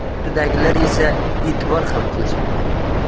bu yerdagilar esa etibor ham qilishmadi